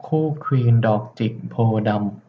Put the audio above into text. คู่ควีนดอกจิกโพธิ์ดำ